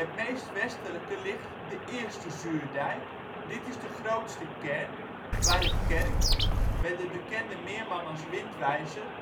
meest westelijk ligt de eerste Zuurdijk. Dit is de grootste kern, waar de kerk (met de bekende meerman als windwijzer